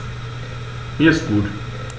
Mir ist gut.